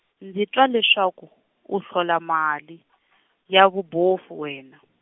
ndzi twa leswaku u hola mali , ya vubofu wena.